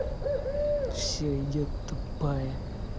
все идет тупая